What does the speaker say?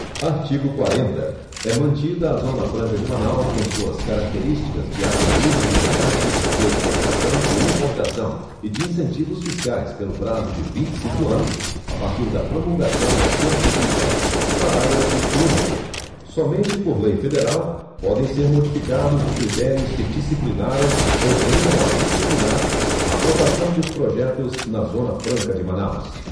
artigo quarenta é mantida a zona franca de manaus com suas características de área livre de comércio de exportação e importação e de incentivos fiscais pelo prazo de vinte e cinco anos a partir da promulgação da constituição parágrafo único somente por lei federal podem ser modificados os critérios que disciplinaram ou venham a disciplinar a aprovação dos projetos na zona franca de manaus